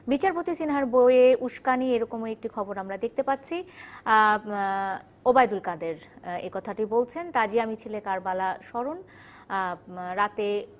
বিচারপতি সিনহার বইয়ে উস্কানি এরকম একটি খবর আমরা দেখতে পাচ্ছি ওবায়দুল কাদের এ কথাটি বলছেন তাজিয়া মিছিলে কারবালার স্মরণ রাতে